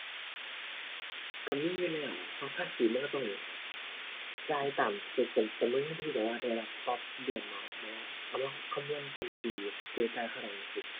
ก็มีอยู่แล้วล่ะ เพราะภาษีมันก็ต้อง จ่ายตาม จำนวนเงินที่ได้รับต่อเดือนเนาะ แบบว่าเอามาคำนวณเป็นปี สิได้จ่ายเท่าใดจั่งซี้